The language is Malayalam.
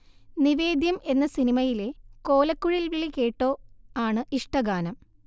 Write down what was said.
നിവേദ്യം എന്ന സിനിമയിലെ കോലക്കുഴൽവിളി കേട്ടോ ആണ് ഇഷ്ടഗാനം